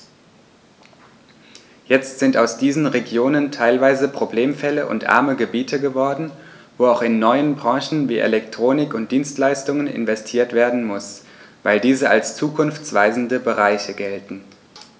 Jetzt sind aus diesen Regionen teilweise Problemfälle und arme Gebiete geworden, wo auch in neue Branchen wie Elektronik und Dienstleistungen investiert werden muss, weil diese als zukunftsweisende Bereiche gelten.